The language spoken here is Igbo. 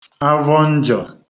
avọ njọ̀